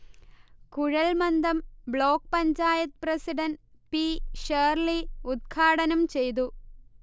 Kuzhalmandam block panchayat president P. Shirley ഉദ്ഘാടനംചെയ്തു